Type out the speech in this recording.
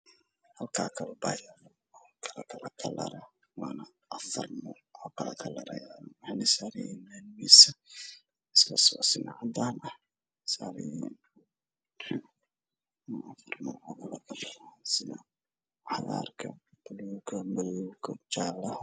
Waa kaba baabuur oo saaran meel caddaan ah waana gudeed iyo qaxwe buluug ah